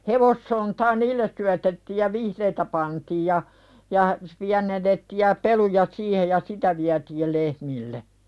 hevossontaa niille syötettiin ja vihreää pantiin ja ja pienennettiin ja peluja siihen ja sitä vietiin lehmille